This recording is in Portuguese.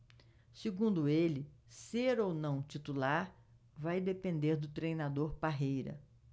segundo ele ser ou não titular vai depender do treinador parreira